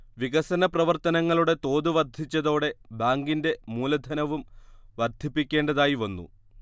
വികസന പ്രവർത്തനങ്ങളുടെ തോത് വർധിച്ചതോടെ ബാങ്കിന്റെ മൂലധനവും വർധിപ്പിക്കേണ്ടതായിവന്നു